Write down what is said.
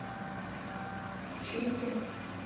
чики